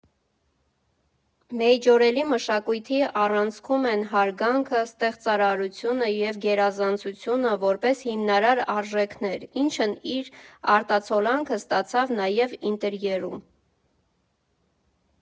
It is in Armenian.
Մեյջորելի մշակույթի առանցքում են հարգանքը, ստեղծարարությունը և գերազանցությունը՝ որպես հիմնարար արժեքներ, ինչն իր արտացոլանքը ստացավ նաև ինտերիերում։